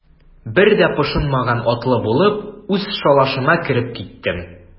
Бер дә пошынмаган атлы булып, үз шалашыма кереп киттем.